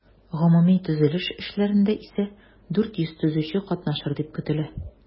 Гомуми төзелеш эшләрендә исә 400 төзүче катнашыр дип көтелә.